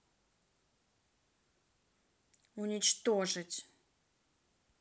уничтожить